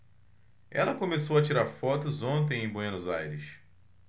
ela começou a tirar fotos ontem em buenos aires